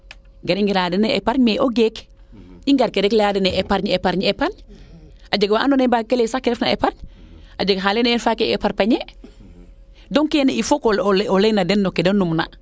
ga i leya den epargne mais o geek i ngarke rek leya dene epargne epargne a jega waa ando naye mbaag ke ley sax ke refna epargne a jega xa leyna faak ke parañe donc keene il faut o leyna den keede numna